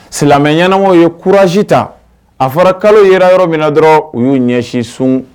Silamɛ ɲɛnaɛnɛw ye kuranji ta a fɔra kalo yɛrɛ yɔrɔ min na dɔrɔn u y'u ɲɛsin sun